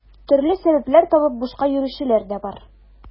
Төрле сәбәпләр табып бушка йөрүчеләр дә бар.